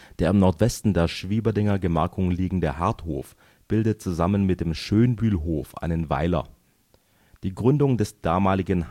Der im Nordwesten der Schwieberdinger Gemarkung liegende Hardthof bildet zusammen mit dem Schönbühlhof einen Weiler. Die Gründung des damaligen